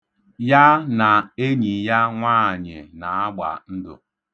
Ya na enyi ya nwaanyị na-agba ndụ.